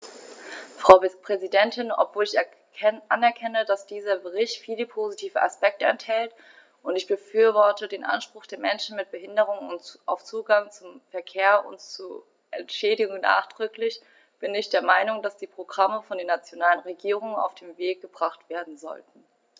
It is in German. Frau Präsidentin, obwohl ich anerkenne, dass dieser Bericht viele positive Aspekte enthält - und ich befürworte den Anspruch der Menschen mit Behinderung auf Zugang zum Verkehr und zu Entschädigung nachdrücklich -, bin ich der Meinung, dass diese Programme von den nationalen Regierungen auf den Weg gebracht werden sollten.